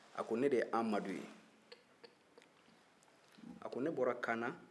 a ko ne bɔra kaana kaana ni segu cɛ